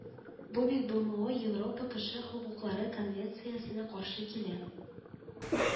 Бу бит БэМэО, Европа кеше хокуклары конвенциясенә каршы килә